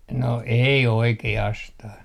no ei oikeastaan